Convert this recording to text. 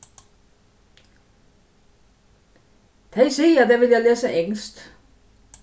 tey siga at tey vilja lesa enskt